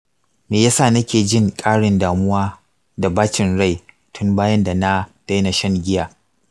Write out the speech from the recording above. me ya sa nake jin ƙarin damuwa da bacin rai tun bayan da na daina shan giya?